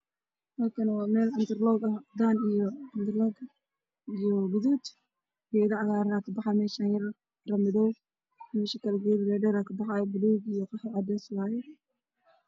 Waa maqaayad geedaca gaaran ayaa ka baxaayo